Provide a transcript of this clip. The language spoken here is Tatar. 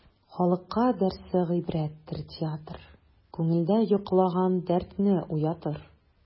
Халыкка дәрсе гыйбрәттер театр, күңелдә йоклаган дәртне уятыр.